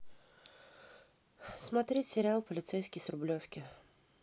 смотреть сериал полицейский с рублевки